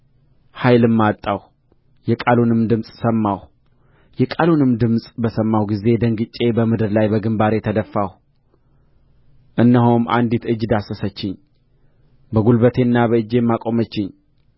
ኃይልም አጣሁ የቃሉንም ድምፅ ሰማሁ የቃሉንም ድምፅ በሰማሁ ጊዜ ደንግጬ በምድር ላይ በግምባሬ ተደፋሁ እነሆም አንዲት እጅ ዳሰሰችኝ በጕልበቴና በእጄም አቆመችኝ